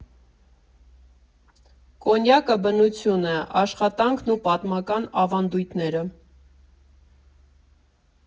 Կոնյակը բնություն է, աշխատանքն ու պատմական ավանդույթները։